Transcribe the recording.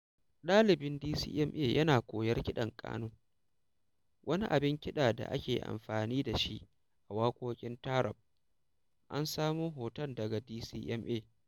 ɗalibin DCMA yana koyar kiɗan ƙanun, wani abin kiɗa da ake amfani da shi a waƙoƙin taarab. An samo hoton daga DCMA.